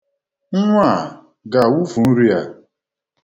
Nnwa a ga-awufu nri a.